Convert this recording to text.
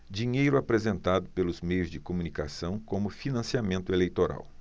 dinheiro apresentado pelos meios de comunicação como financiamento eleitoral